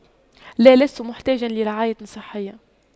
لا لست محتاج لرعاية صحية